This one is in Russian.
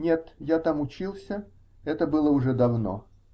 -- Нет, я там учился, это было уже давно.